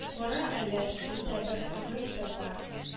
Кара әле бездә бер сәгыйтов бар